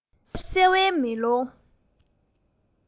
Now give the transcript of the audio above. རྒྱལ རབས གསལ བའི མེ ལོང